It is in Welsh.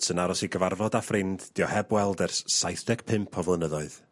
...yn aros i gyfarfod â ffrind 'di o heb weld ers saith ddeg pump o flynyddoedd.